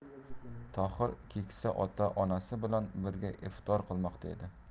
tohir keksa ota onasi bilan birga iftor qilmoqda edi